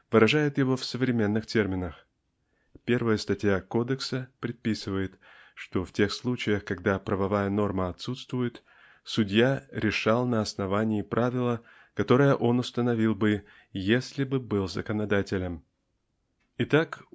выражает его в современных терминах первая статья кодекса предписывает чтобы в тех случаях когда правовая норма отсутствует судья решал на основании правила которое он установил бы "если бы был законодателем". Итак